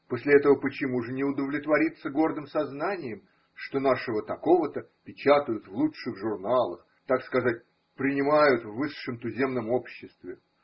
После этого почему же не удовлетвориться гордым сознанием, что нашего такого-то печатают в лучших журналах – так сказать, принимают в высшем туземном обществе?